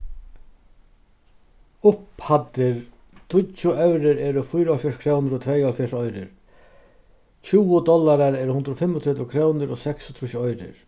upphæddir tíggju evrur eru fýraoghálvfjerðs krónur og tveyoghálvfjerðs oyrur tjúgu dollarar eru hundrað og fimmogtretivu krónur og seksogtrýss oyrur